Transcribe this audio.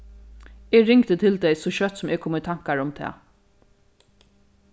eg ringdi til tey so skjótt sum eg kom í tankar um tað